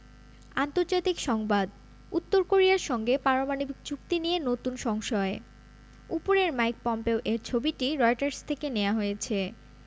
আন্তর্জাতিক সংবাদ উত্তর কোরিয়ার সঙ্গে পারমাণবিক চুক্তি নিয়ে নতুন সংশয় উপরের মাইক পম্পেও এর ছবিটি রয়টার্স থেকে নেয়া হয়েছে